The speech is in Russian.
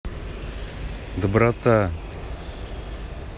доброта